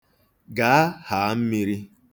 Gaa, haa mmiri.